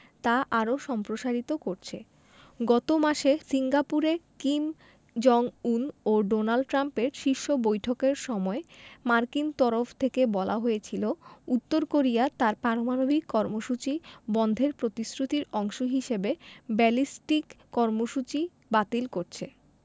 তা আরও সম্প্রসারিত করছে গত মাসে সিঙ্গাপুরে কিম জং উন ও ডোনাল ট্রাম্পের শীর্ষ বৈঠকের সময় মার্কিন তরফ থেকে বলা হয়েছিল উত্তর কোরিয়া তার পারমাণবিক কর্মসূচি বন্ধের প্রতিশ্রুতির অংশ হিসেবে ব্যালিস্টিক কর্মসূচিও বাতিল করছে